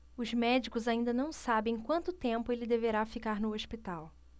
os médicos ainda não sabem quanto tempo ele deverá ficar no hospital